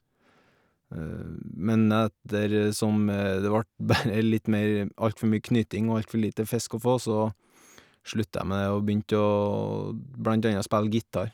Men ettersom det vart bare litt mer alt for mye knyting og alt for lite fisk å få, så slutta jeg med det og begynte å blant anna spille gitar.